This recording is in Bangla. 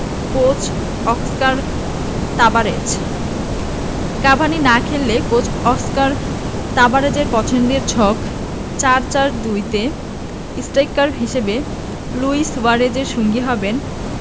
কোচ অস্কার তাবারেজ কাভানি না খেললে কোচ অস্কার তাবারেজের পছন্দের ছক ৪ ৪ ২ তে স্ট্রাইকার হিসেবে লুই সুয়ারেজের সঙ্গী হবেন